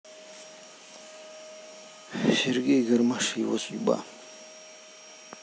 сергей гармаш его судьба